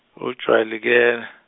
olujwayeleke.